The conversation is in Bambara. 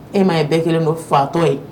E ma ye bɛɛ kɛlen do fatɔ ye.